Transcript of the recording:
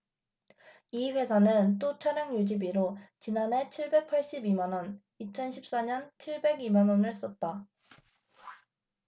이 회사는 또 차량유지비로 지난해 칠백 팔십 이 만원 이천 십 사 년 칠백 이 만원을 썼다